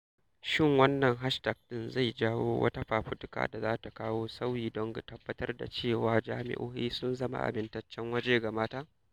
Shin wannan 'hashtag' ɗin zai jawo wata fafutuka da za ta kawo sauyi don tabbatar da cewa jami'o'i sun zama amintaccen waje ga mata?